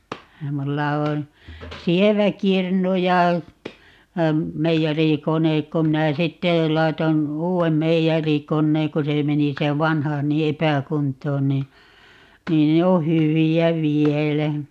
minulla on sievä kirnu ja meijerikone kun minä sitten laitoin uuden meijerikoneen kun se meni se vanha niin epäkuntoon niin niin ne on hyviä vielä